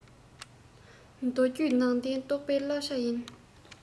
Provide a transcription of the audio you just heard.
མདོ རྒྱུད ནང བསྟན རྟོགས པའི བླ ཆེན ཡིན